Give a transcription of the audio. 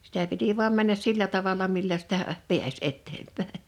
sitä piti vain mennä sillä tavalla millä sitä pääsi eteenpäin